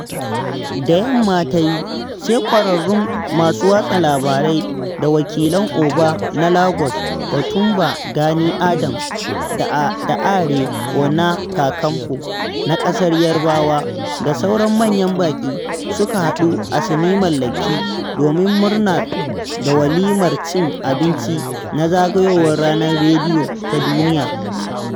Da yamma ta yi, sai ƙwararrun masu watsa labarai da wakilan Oba na Lagos Ọ̀túnba Gani Adams da Ààrẹ Ọ̀nà Kakanfò na ƙasar Yarbawa da sauran manyan baƙi suka haɗu a sinimar Lekki domin murnar da walimar cin abinci na zagayowar Ranar Rediyo Ta Duniya.